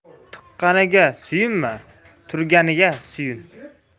tuqqaniga suyunma turganiga suyun